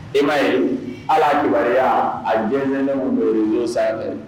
E ma ye ala adama a diɲɛɛnɛnɛ don ye sa